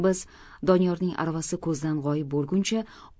biz doniyorning aravasi ko'zdan g'oyib bo'lguncha